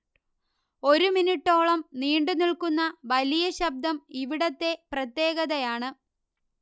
ഒരു മിനുട്ടോളം നീണ്ടുനിൽക്കുന്ന വലിയ ശബ്ദം ഇവിടത്തെ പ്രത്യേകതയാണ്